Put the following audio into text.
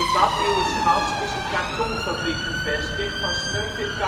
Bad Nieuweschans is een kartonfabriek gevestigd van Smurfit